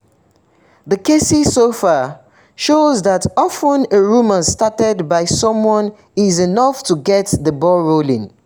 The cases so far show that often a rumor started by someone is enough to get the ball rolling.